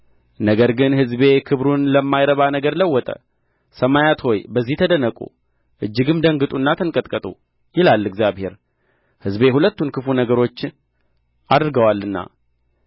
ነገር ግን ሕዝቤ ክብሩን ለማይረባ ነገር ለወጠ ሰማያት ሆይ በዚህ ተደነቁ እጅግም ደንግጡና ተንጥቀጡ ይላል እግዚአብሔር ሕዝቤ ሁለቱን ክፉ ነገሮች አድርገዋልና